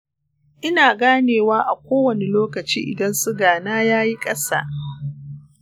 ina ganewa a kowane lokaci idan suga na yayi ƙasa.